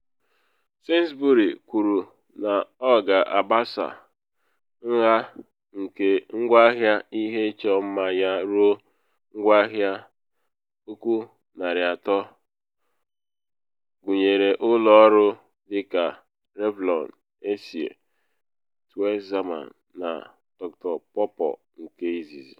Sainsbury kwuru na ọ ga-abasa nha nke ngwaahịa ihe ịchọ mma ya ruo ngwaahịa 3,000, gụnyere ụlọ ọrụ dị ka Revlon, Essie, Tweezerman na Dr. PawPaw nke izizi.